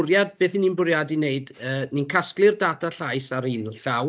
Bwriad beth 'y ni'n bwriadu wneud yy ni'n casglu'r data llais ar un llaw,